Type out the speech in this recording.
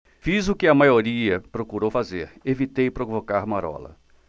fiz o que a maioria procurou fazer evitei provocar marola